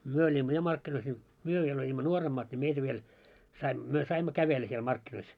me olimme ja markkinoissa niin me vielä olimme nuoremmat niin meitä vielä sai me saimme kävellä siellä markkinoissa